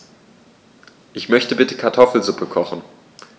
Ich möchte bitte Kartoffelsuppe kochen.